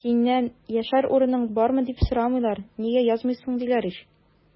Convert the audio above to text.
Синнән яшәр урының бармы, дип сорамыйлар, нигә язмыйсың, диләр ич!